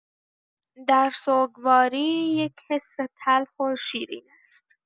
در سوگواری یه حس تلخ و شیرین هست؛